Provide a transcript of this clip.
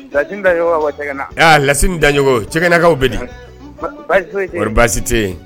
Lassine Daɲogo ka bɔ Cɛkɛna aa Lassine Daɲogo Cɛkɛnakaw be di ba baasi foyi te ye kɔri baasi te ye